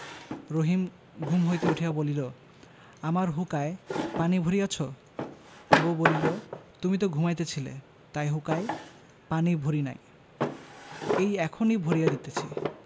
রহিম ঘুম হইতে উঠিয়া বলিল আমার হুঁকায় পানি ভরিয়াছ বউ বলিল তুমি তো ঘুমাইতেছিলে তাই হুঁকায় পানি ভরি নাই এই এখনই ভরিয়া দিতেছি